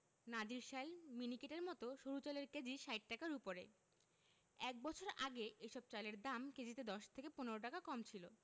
নাজিরশাইল মিনিকেটের মতো সরু চালের কেজি ৬০ টাকার ওপরে এক বছর আগে এসব চালের দাম কেজিতে ১০ থেকে ১৫ টাকা কম ছিল